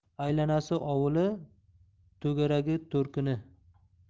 aylanasi ovuli to'garagi to'rkuni